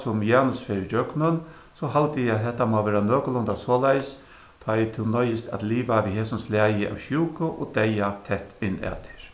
sum janus fer ígjøgnum so haldi eg at hetta má vera nøkulunda soleiðis tá ið tú noyðist at liva við hesum slagi av sjúku og deyða tætt inn at tær